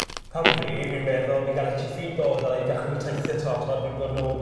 Cymru fi'n meddwl fi'n ga'l itchy feet o dyla'i dechre myn' teithio 'to t'mod t'mod fi'n fod nôl